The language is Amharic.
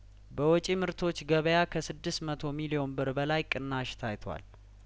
በወጪምርቶች ገበያከስድስት መቶ ሚሊዮን ብር በላይ ቅናሽ ታይቷል